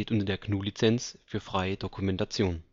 unter der GNU Lizenz für freie Dokumentation